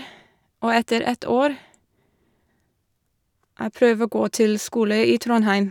Og etter ett år jeg prøve å gå til skole i Trondheim.